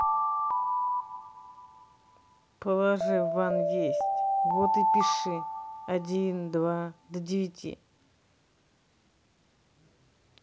положи ван есть вот и пиши один два до девяти